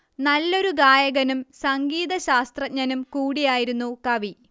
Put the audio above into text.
നല്ലൊരു ഗായകനും സംഗീതശാസ്ത്രജ്ഞനും കൂടിയായിരുന്നു കവി